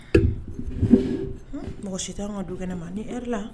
Mɔgɔ si an ka du kɛnɛ ne ma la